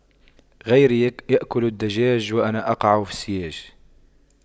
غيري يأكل الدجاج وأنا أقع في السياج